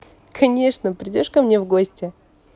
конечно приедешь ко мне в гости